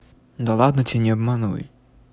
да ладно тебе не обманывай